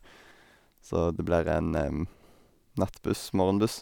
Så det blir en nattbuss, morgenbuss.